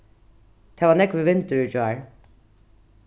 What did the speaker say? tað var nógvur vindur í gjár